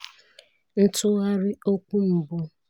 Ntụgharị Okwu Mbụ